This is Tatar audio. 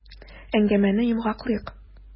Әңгәмәне йомгаклыйк.